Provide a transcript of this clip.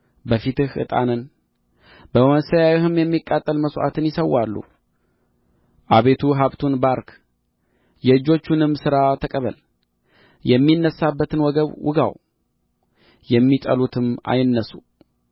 በፊትህ ዕጣንን በመሠዊያህም የሚቃጠል መሥዋዕት ይሠዋሉ አቤቱ ሀብቱን ባርክ የእጁንም ሥራ ተቀበል የሚነሣበትን ወገብ ውጋው የሚጠሉትም አይነሡ